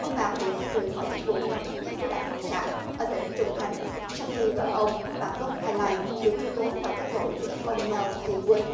ông bạc bị khai trừ khỏi chức vụ cao cấp nhất của đảng cộng sản ở tỉnh trùng khánh sau khi vợ ông bà cốc khai lai bị truy tố và kết tội giết ông neo hey quớt